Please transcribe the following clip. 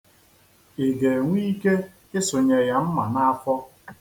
Ị ga-enwe ike ịsụnye ya mma n'afọ?